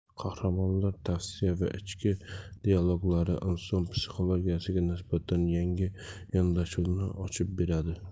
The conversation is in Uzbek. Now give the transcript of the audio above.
qahramonlar tavsifi va ichki dialoglar inson psixologiyasiga nisbatan yangi yondashuvni ochib beradi